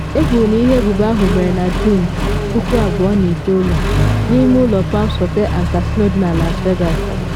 Ekwuru na ihe ebubo ahụ mere na Juun 2009 n’ime ụlọ Palms Hotel and Casino dị na Las Vegas.